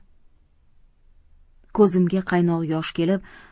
ko'zimga qaynoq yosh kelib